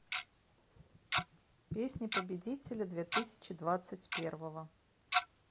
песня победителя две тысячи двадцать первого